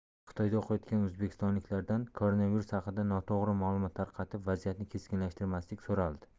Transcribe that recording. xitoyda o'qiyotgan o'zbekistonliklardan koronavirus haqida noto'g'ri ma'lumot tarqatib vaziyatni keskinlashtirmaslik so'raldi